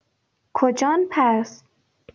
کجان پس؟